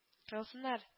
- кырылсыннар